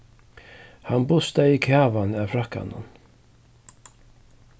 hann bustaði kavan av frakkanum